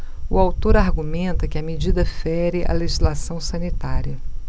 o autor argumenta que a medida fere a legislação sanitária